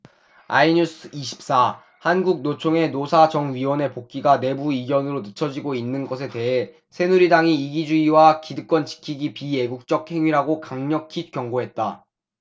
아이뉴스 이십 사 한국노총의 노사정위원회 복귀가 내부 이견으로 늦춰지고 있는 것에 대해 새누리당이 이기주의와 기득권 지키기 비애국적 행위라고 강력히 경고했다